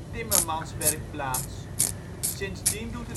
timmermanswerkplaats. Sindsdien doet